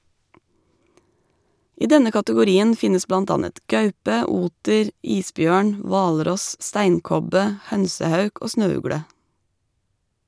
I denne kategorien finnes blant annet gaupe, oter, isbjørn, hvalross, steinkobbe, hønsehauk og snøugle.